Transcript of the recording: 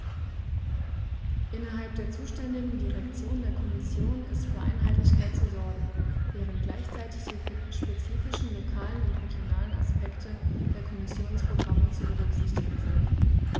Innerhalb der zuständigen Direktion der Kommission ist für Einheitlichkeit zu sorgen, während gleichzeitig die spezifischen lokalen und regionalen Aspekte der Kommissionsprogramme zu berücksichtigen sind.